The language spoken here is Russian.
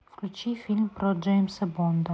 включи фильм про джеймса бонда